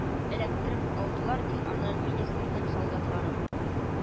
Ләктереп алдылар, ди, аны министрның солдатлары... ү